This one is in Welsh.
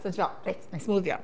So wnes i feddwl, reit wna i smwddio.